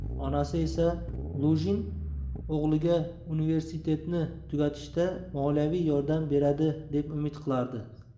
ona esa lujin o'g'liga universitetni tugatishda moliyaviy yordam beradi deb umid qilardi